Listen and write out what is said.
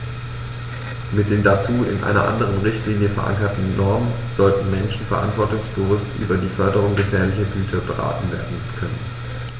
Mit den dazu in einer anderen Richtlinie, verankerten Normen sollten Menschen verantwortungsbewusst über die Beförderung gefährlicher Güter beraten werden können.